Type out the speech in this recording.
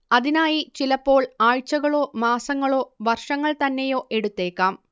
അതിനായി ചിലപ്പോൾ ആഴ്ചകളോ മാസങ്ങളോ വർഷങ്ങൾ തന്നെയോ എടുത്തേക്കാം